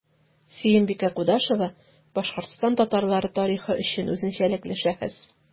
Сөембикә Кудашева – Башкортстан татарлары тарихы өчен үзенчәлекле шәхес.